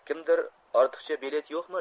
kimdir ortiqcha bilet yo'qmi